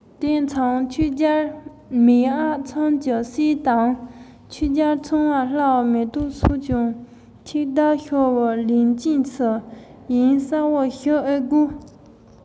དེ མཚུངས ཆོས རྒྱལ མེས ཨག ཚོམ གྱི སྲས དང ཆོས རྒྱལ ཚངས པ ལྷའི མེ ཏོག སོགས ཀྱང ཆིབས བརྡབས ཤོར བའི ལན རྐྱེན སུ ཡིན གསལ པོ ཞུ ཨེ དགོས